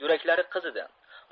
yuraklari qizidi